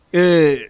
Ee